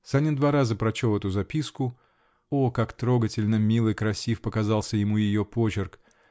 Санин два раза прочел эту записку -- о, как трогательно мил и красив показался ему ее почерк!